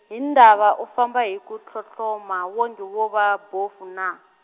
hi ndhava u famba hi ku tlotloma wonge wo va bofu naa?